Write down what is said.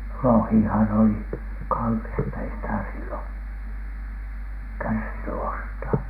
lohihan oli kallista ei sitä silloin kärsinyt ostaa